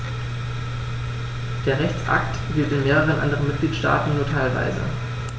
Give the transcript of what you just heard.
Der Rechtsakt gilt in mehreren anderen Mitgliedstaaten nur teilweise.